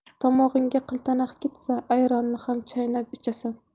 tomog'ingga qiltanoq ketsa ayronni ham chaynab ichasan